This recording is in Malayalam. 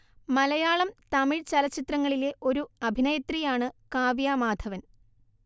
മലയാളം തമിഴ് ചലച്ചിത്രങ്ങളിലെ ഒരു അഭിനേത്രിയാണ് കാവ്യ മാധവൻ